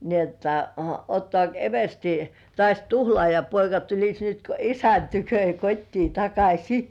niin jotta ottaako eversti taas tuhlaajapoika tulisi nyt kuin isän tykö ja kotiin takaisin